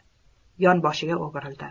yonboshiga o'girildi